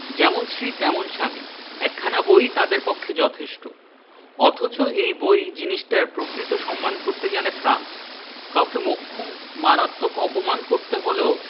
যেমন স্ত্রী তেমন স্বামী একখানা বই ই তাদের পক্ষে যথেষ্ট অথচ এই বই জিনিসটার প্রকৃত সম্মান করতে জানে ফ্রান্স কাউকে মোক্ষম মারাত্মক অপমান করতে হলেও